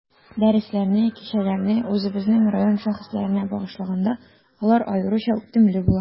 Дәресләрне, кичәләрне үзебезнең район шәхесләренә багышлаганда, алар аеруча үтемле була.